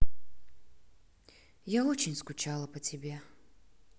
я очень скучала по тебе